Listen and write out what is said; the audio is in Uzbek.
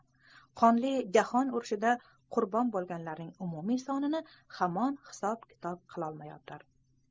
qonli jahon urushida qurbon bo'lganlarning umumiy sonini hamon hisob kitob qilolmayotir